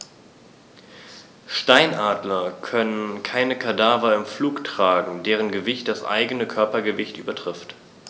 Steinadler können keine Kadaver im Flug tragen, deren Gewicht das eigene Körpergewicht übertrifft.